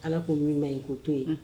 Ala k'o min na yen ko to ye